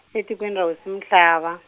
etikweni ra hosi Mhlava.